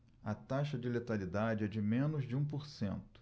a taxa de letalidade é de menos de um por cento